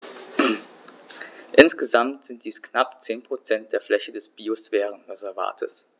Insgesamt sind dies knapp 10 % der Fläche des Biosphärenreservates.